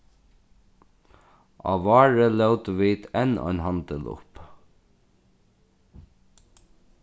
á vári lótu vit enn ein handil upp